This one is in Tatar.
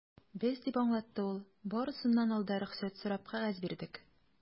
Без, - дип аңлатты ул, - барысыннан алда рөхсәт сорап кәгазь бирдек.